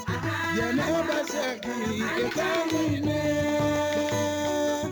Maaunɛ maa se diɲɛ tɛ diɲɛ laban